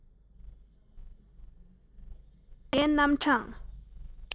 རིག པའི རྣམ གྲངས